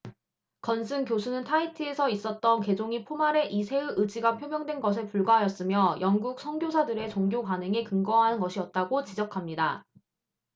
건슨 교수는 타히티에서 있었던 개종이 포마레 이 세의 의지가 표명된 것에 불과하였으며 영국 선교사들의 종교 관행에 근거한 것이었다고 지적합니다